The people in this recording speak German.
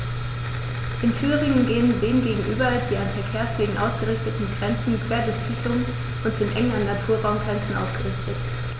In Thüringen gehen dem gegenüber die an Verkehrswegen ausgerichteten Grenzen quer durch Siedlungen und sind eng an Naturraumgrenzen ausgerichtet.